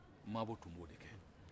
maabɔ tun b'o de kɛ